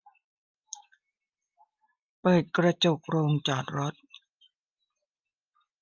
เปิดกระจกโรงจอดรถ